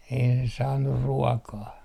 ei ne saanut ruokaa